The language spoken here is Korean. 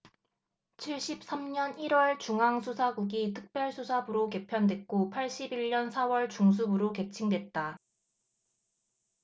칠십 삼 년 일 월 중앙수사국이 특별수사부로 개편됐고 팔십 일 년 사 월 중수부로 개칭됐다